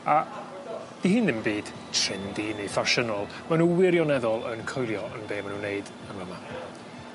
A 'di hyn ddim byd trendy neu ffasiynol ma' n'w wirioneddol yn coelio yn be ma' nw'n neud yn fa' 'ma.